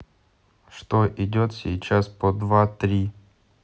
что идет сейчас по два три